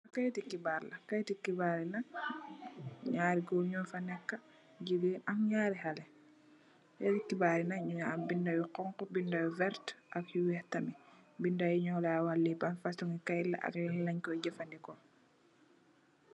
Kaytu heebar la, kaytu heebar yi nak naari gòor nu fa nekka, jigèen ak ñaari haley. kaytu heebar yi nak nungi am binda yu honku, binda yu vert ak yu weeh tamit. Binda yi noo la wah li ban kaytu heebar la ak lan leen koy jafadeko.